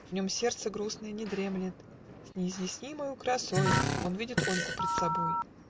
В нем сердце грустное не дремлет: С неизъяснимою красой Он видит Ольгу пред собой.